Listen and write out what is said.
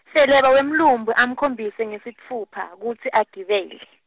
Feleba wemlumbi amkhombise ngesitfupha, kutsi agibele.